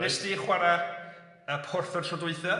Wnes di chwara y porthor tro dwytha.